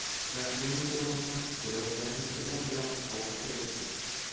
Фәхринең тормышын, көрәшләрен берәм-берәм калкытып үтте.